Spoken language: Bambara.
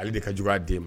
Ale de ka juguyaa den